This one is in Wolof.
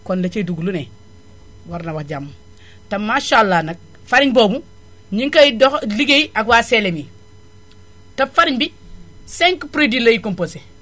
kon la cay dugg lu ne war na wax jàmm te maasàllaa nag farine boobu ñi ngi koy doxa liggéey ak waa CLM yi te farine bu 5 produit lay composé